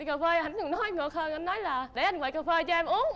cà phê ảnh còn nói ngược hơn để anh nói là để anh hòa cà phê cho em uống